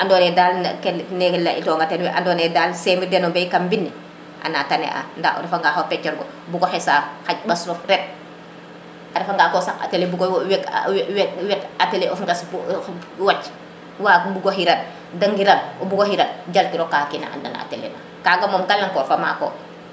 wa ando naye dal na kene nene ley tonga o ten we ando naye dal seemir deno mbay kam mbine ana tane a nda o refa nga xa pecorgo buga xesa xaƴ mbaslof ret a refa nga ko sax atelier bugo weg weg wet atelier of nges bo wac mbat bugo xiran de ngiran o bugo xiran jal kiro ka kina an na na atelier of kaga moom ŋalaŋ kor fa maako